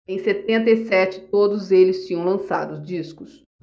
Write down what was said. em setenta e sete todos eles tinham lançado discos